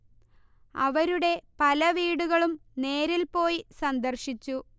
അവരുടെ പല വീടുകളും നേരിൽ പോയി സന്ദർശിച്ചു